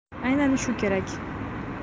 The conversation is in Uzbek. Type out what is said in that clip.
aynan shu kerak